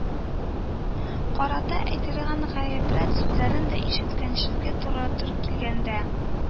Карата әйтелгән гайбәт сүзләрен дә ишеткәләргә туры килгәләде